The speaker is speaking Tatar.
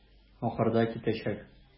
Ахырда китәчәк.